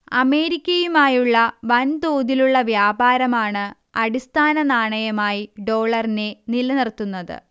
അമേരിക്കയുമായുള്ള വൻതോതിലുള്ള വ്യാപാരമാണ് അടിസ്ഥാന നാണയമായി ഡോളറിനെ നിലനിർത്തുന്നത്